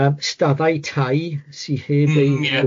...yym staddau tai sy heb eu... M-hm ie.